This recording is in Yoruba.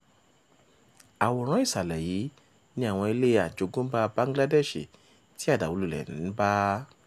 Àwòrán ìsàlẹ̀ yìí ni àwọn ilé àjogúnbáa Bangladeshi tí àdàwólulẹ̀ ń bá: